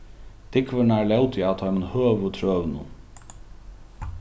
dúgvurnar lótu av teimum høgu trøunum